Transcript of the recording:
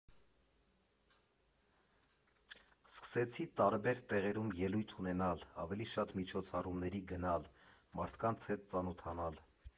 Սկսեցի տարբեր տեղերում ելույթ ունենալ, ավելի շատ միջոցառումների գնալ, մարդկանց հետ ծանոթանալ։